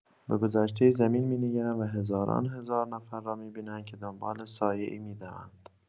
به گذشته زمین می‌نگرم و هزاران هزار نفر را می‌بینم که دنبال سایه‌ای می‌دوند.